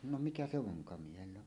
no mikä se vonkamiehellä on